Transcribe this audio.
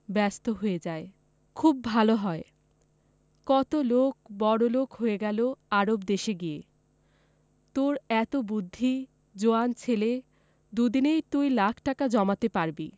ব্যস্ত হয়ে যায় খুব ভালো হয় কত লোক বড়লোক হয়ে গেল আরব দেশে গিয়ে তোর এত বুদ্ধি জোয়ান ছেলে দুদিনেই তুই লাখ টাকা জমাতে পারবি